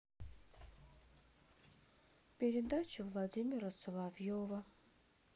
передача владимира соловьева